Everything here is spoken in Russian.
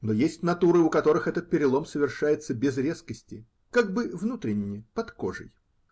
Но есть натуры, у которых этот перелом совершается без резкости, как бы внутренне, под кожей.